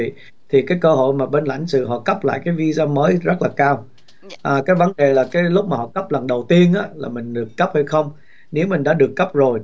thì cái cô hội mà bên lãnh sự họ cấp lại cái vi sa mới rất là cao cái vấn đề là cái lúc mà họ cấp lần đầu tiên là mình được cấp hay không nếu mình đã được cấp rồi